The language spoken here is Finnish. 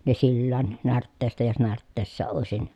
ne sillään närtteestä jos närtteessä olisi